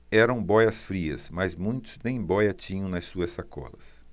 eram bóias-frias mas muitos nem bóia tinham nas suas sacolas